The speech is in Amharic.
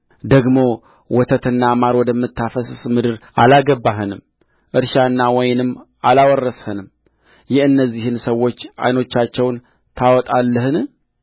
ደግሞ ወተትና ማር ወደምታፈስስ ምድር አላገባኸንም እርሻና ወይንም አላወረስኸንም የእነዚህንስ ሰዎች ዓይኖቻቸውን ታወጣለህን